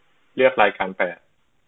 เลือกรายการแปด